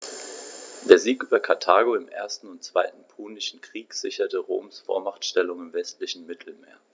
Der Sieg über Karthago im 1. und 2. Punischen Krieg sicherte Roms Vormachtstellung im westlichen Mittelmeer.